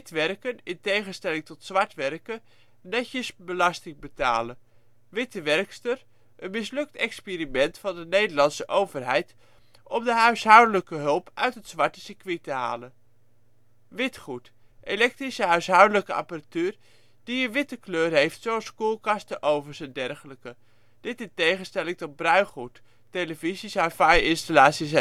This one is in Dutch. werken - in tegenstelling tot zwart werken, netjes belasting betalen. Witte werkster - een (mislukt) experiment van de Nederlandse overheid om de huishoudelijk hulp uit het zwarte circuit te halen. Witgoed - elektrische huishoudelijke apparatuur die een witte kleur heeft, zoals koelkasten, ovens en dergelijke. Dit in tegenstelling tot bruingoed (televisies, hifi installaties